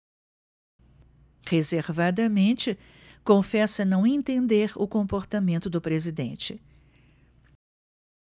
reservadamente confessa não entender o comportamento do presidente